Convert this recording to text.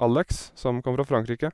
Alex, som kommer fra Frankrike.